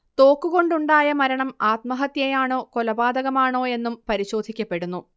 തോക്കുകൊണ്ടുണ്ടായ മരണം ആത്മഹത്യയാണോ കൊലപാതകമാണോ എന്നും പരിശോധിക്കപ്പെടുന്നു